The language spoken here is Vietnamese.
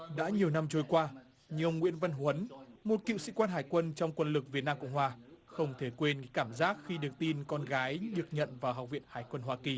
đã nhiều năm trôi qua như ông nguyễn văn huấn một cựu sĩ quan hải quân trong quân lực việt nam cộng hòa không thể quên cảm giác khi được tin con gái được nhận vào học viện hải quân hoa kỳ